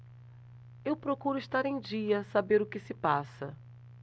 eu procuro estar em dia saber o que se passa